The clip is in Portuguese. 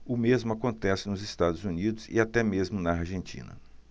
o mesmo acontece nos estados unidos e até mesmo na argentina